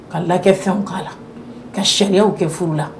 Ka lakɛ fɛn k'a la ka saeiyaw kɛ furu la!